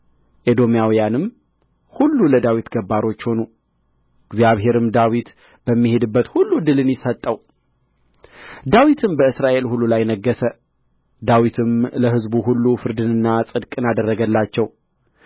ኤዶማውያንም ሁሉ ለዳዊት ገባሮች ሆኑ እግዚአብሔርም ዳዊት በሚሄድበት ሁሉ ድልን ሰጠው ዳዊትም በእስራኤል ሁሉ ላይ ነገሠ ዳዊትም ለሕዝቡ ሁሉ ፍርድንና ጽድቅን አደረገላቸው